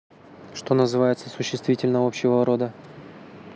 что называется существительным общего рода